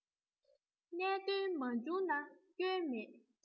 གནད དོན མ བྱུང ན སྐྱོན མེད